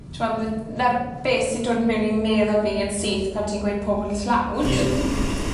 t'mo' bydde... 'Na'r beth sy'n dod mewn i meddwl fi yn syth pan ti'n gweud pobol tlawd. Ie.